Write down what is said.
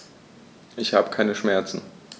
Ich habe keine Schmerzen.